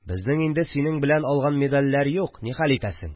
Безнең инде синең белән алган медальләр юк, нихәл итәсең